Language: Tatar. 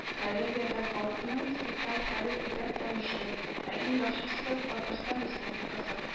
Карелиядә халыкның социаль хәле бигрәк тә мөшкел, ә иң яхшысы – Татарстан Республикасы